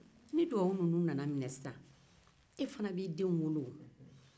ni dugawu ninnu nana minɛ sisan e fana b'i denw wolo